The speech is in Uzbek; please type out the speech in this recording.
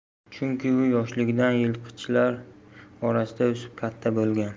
chunki u yoshligidan yilqichilar orasida o'sib katta bo'lgan